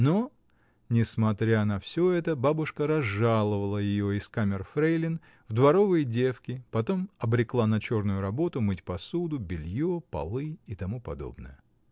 Но. несмотря на всё это, бабушка разжаловала ее из камерфрейлин в дворовые девки, потом обрекла на черную работу, мыть посуду, белье, полы и т. п.